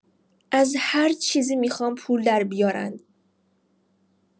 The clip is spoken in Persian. از هر چیزی می‌خوان پول دربیارند.